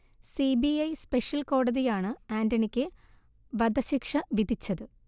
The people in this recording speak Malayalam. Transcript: സി ബി ഐ സ്പെഷൽ കോടതിയാണ് ആന്റണിക്ക് വധശിക്ഷ വിധിച്ചത്